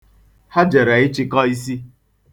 Ha jere ịtịkọ isi ọnụ